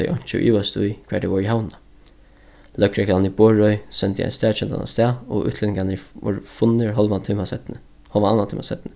tey einki og ivaðust í hvar tey vóru havnað løgreglan í borðoy sendi ein staðkendan avstað og útlendingarnir vóru funnir hálvan tíma seinni hálvan annan tíma seinni